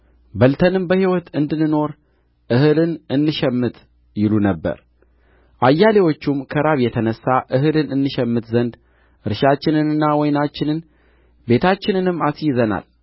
በልተንም በሕይወት እንድንኖር እህልን እንሸምት ይሉ ነበር አያሌዎቹም ከራብ የተነሣ እህልን እንሸምት ዘንድ እርሻችንና ወይናችንን ቤታችንንም አስይዘናል